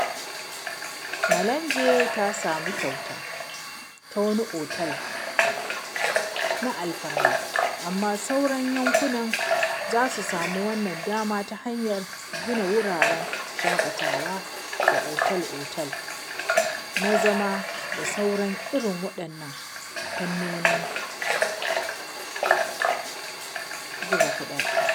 Malanje ta samu “kyauta” ta wani otal na alfarma, amma sauran yankunan za su samu wannan dama ta hanyar gina wuraren shaƙatawa da otal-otal na zama da sauran irin waɗannan fannonin zuba kuɗaɗe.